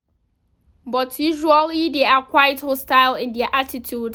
But usually they are quite hostile in their attitudes.